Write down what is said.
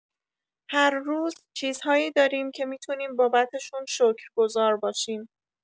هر روز چیزهایی داریم که می‌تونیم بابتشون شکرگزار باشیم.